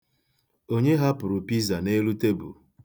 Onye hapụrụ piza ya n'elu tebulu?